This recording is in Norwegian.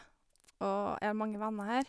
Og jeg har mange venner her.